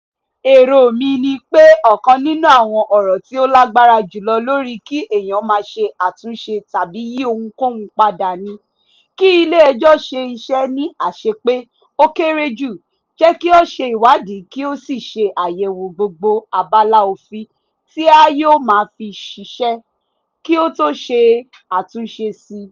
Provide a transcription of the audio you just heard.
Èrò mi ni pé ọ̀kan nínú àwọn ọ̀rọ̀ tí ó lágbára jùlọ lórí kí èèyàn má ṣe àtúnṣe tàbí yí ohunkóhun padà ni, kí ilé-ẹjọ́ ṣe iṣẹ́ ní àṣepé ó kéré jù, jẹ́ kí ó ṣe ìwádìí kí ó sì ṣe àyẹ̀wò gbogbo abala òfin tí a yóò máa fi ṣiṣẹ́, kí ó tó ṣe àtúnṣe síi.